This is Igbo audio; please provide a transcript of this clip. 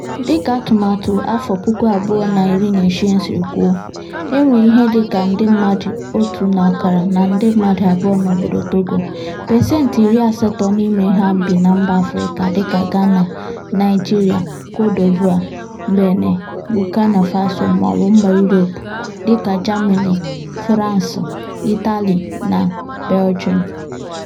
Dịka atụmatụ 2016 siri kwuo, e nwere ihe dịka nde mmadụ 1.5 na nde mmadụ 2 n'obodo Togo, pasenti 80 n'ime ha bi na mba Afrịka dịka Ghana, Nigeria, Côte d'Ivoire, Benin, Burkina Faso, maọbụ mba Europe dịka Germany, France, Italy, na Belgium.